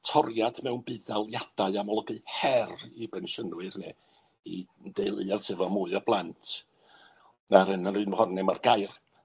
toriad mewn budd daliadau am olygu her i bensiynwyr ne' i deuluoedd sy efo mwy o blant na'r un ma'r gair